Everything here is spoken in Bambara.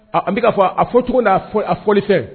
An bɛk'a fɔ, a fɔ cogo n'a fɔlifɛn.